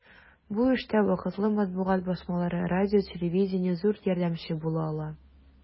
Бу эштә вакытлы матбугат басмалары, радио-телевидение зур ярдәмче була ала.